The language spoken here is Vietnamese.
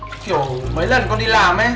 kiểu mấy lần con đi